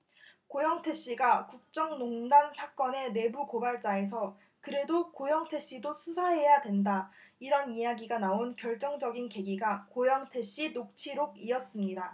고영태 씨가 국정농단 사건의 내부 고발자에서 그래도 고영태 씨도 수사해야 된다 이런 이야기가 나온 결정적인 계기가 고영태 씨 녹취록이었습니다